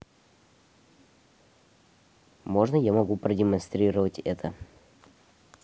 можно я могу продемонстрировать это